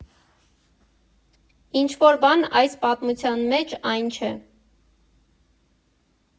Ինչ֊որ բան այս պատմության մեջ այն չէ…